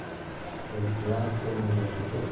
bulutlar qo'ynida ketib